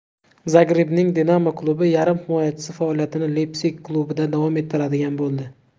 zagrebning dinamo klubi yarim himoyachisi faoliyatini leypsig klubida davom ettiradigan bo'ldi